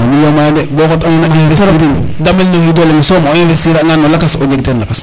un million maya debo xot ando na investir in damel no xido leŋ som o investir angan no lakas a jeg ten lakas